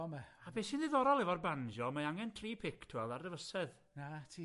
O mae... A be' sy'n ddiddorol efo'r banjo mae angen tri pic t'wel ar dy fysedd. 'Na ti.